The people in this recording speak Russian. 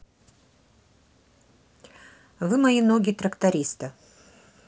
вы мои ноги тракториста